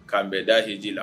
K'an bɛɛ dahi ji la